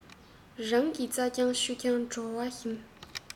རང གི རྩ རྐྱང ཆུ རྐྱང བྲོ བ ཞིམ